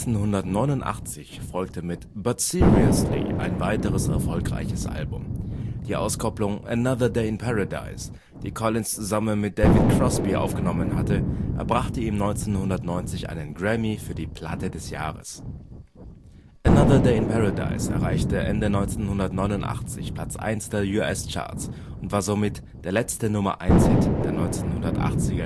1989 folgte mit... But Seriously ein weiteres erfolgreiches Album. Die Auskopplung Another Day in Paradise, die Collins gemeinsam mit David Crosby aufgenommen hatte, erbrachte ihm 1990 einen Grammy für die Platte des Jahres. Another Day in Paradise erreichte Ende 1989 Platz 1 der US-Charts und war somit der letzte Nummer Eins-Hit der 1980er